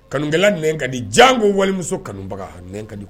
Kanukɛla nɛn ka ka di , janko walimuso kanubaga!